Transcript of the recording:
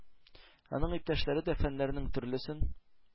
Анын иптәшләре дә фәннәрнең, төрлесен,